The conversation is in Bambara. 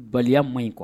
Balimaya man in kuwa